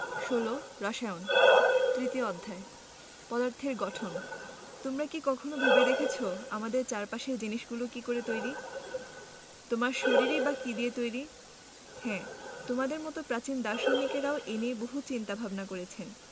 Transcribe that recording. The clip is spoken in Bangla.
১৬ রসায়ন তৃতীয় অধ্যায় পদার্থের গঠন Structure of Matter তোমরা কি কখনো ভেবে দেখেছ আমাদের চারপাশের জিনিসগুলো কী দিয়ে তৈরি তোমার শরীরই বা কী দিয়ে তৈরি হ্যাঁ তোমাদের মতো প্রাচীন দার্শনিকেরাও এ নিয়ে বহু চিন্তাভাবনা করেছেন